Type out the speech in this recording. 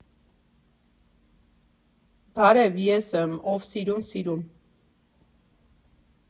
Բարև, ես եմ՝ ով սիրո՜ւն սիրո՜ւն։